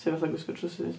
Neu fatha gwisgo trowsus?